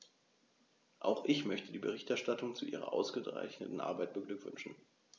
Auch ich möchte die Berichterstatterin zu ihrer ausgezeichneten Arbeit beglückwünschen.